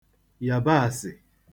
yàbaàsị̀